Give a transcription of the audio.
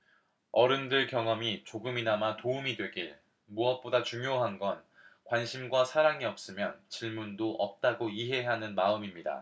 어른들 경험이 조금이나마 도움이 되길무엇보다 중요한 건 관심과 사랑이 없으면 질문도 없다고 이해하는 마음입니다